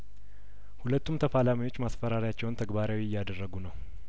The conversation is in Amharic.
ሁለቱም ተፋላሚዎች ማስፈራሪያቸውን ተግባራዊ እያደረጉ ነው